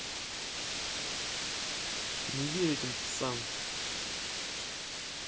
не верь этим псам